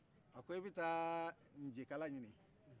a ko i bɛ taa nje kala ɲine